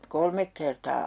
kolme kertaa